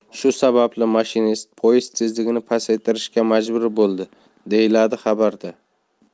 shu sababli mashinist poyezd tezligini pasaytirishga majbur bo'ldi deyiladi xabarda